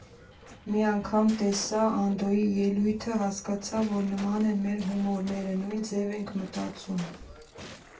Մի անգամ տեսա Անդոյի ելույթը, հասկացա, որ նման են մեր հումորները, նույն ձև ենք մտածում։